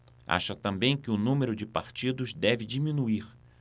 acha também que o número de partidos deve diminuir